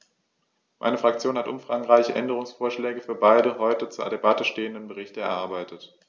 Meine Fraktion hat umfangreiche Änderungsvorschläge für beide heute zur Debatte stehenden Berichte erarbeitet.